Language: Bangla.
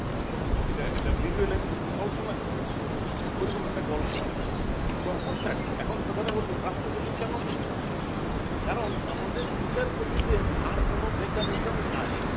মানে এটা এটা ভিজুয়ালাইজ করতে কল্পনা করতে পারতেছি ঐরকম একটা গল্প আছে তখন চারজন এখন কথা হল রাষ্ট্রপতি কেন বলবে কারণ আমাদের বিচারপতিদের আর কোন মেকানিজম নাই